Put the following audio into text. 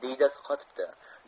diydasi qotibdi